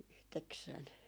yhdeksän